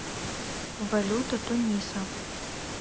валюта туниса